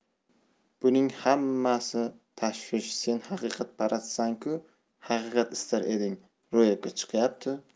buning nimasi tashvish sen haqiqatparastsan ku haqiqat istar eding ro'yobga chiqyapti